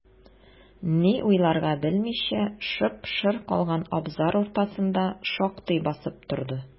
Ни уйларга белмичә, шып-шыр калган абзар уртасында шактый басып торды.